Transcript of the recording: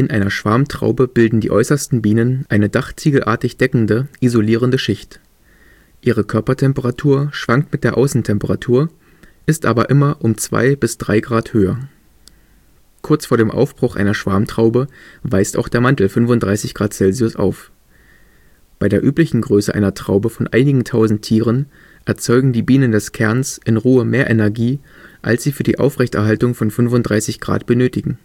einer Schwarmtraube bilden die äußersten Bienen eine dachziegelartig deckende, isolierende Schicht. Ihre Körpertemperatur schwankt mit der Außentemperatur, ist aber immer um 2 bis 3 Grad höher. Kurz vor dem Aufbruch einer Schwarmtraube weist auch der Mantel 35 °C auf. Bei der üblichen Größe einer Traube von einigen Tausend Tieren erzeugen die Bienen des Kerns in Ruhe mehr Energie, als sie für die Aufrechterhaltung von 35 °C benötigen